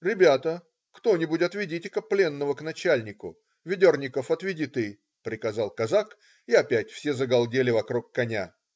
ребята, кто-нибудь отведите-ка пленного к начальнику, Ведерников, отведи ты",- приказал казак, и опять все загалдели вокруг коня.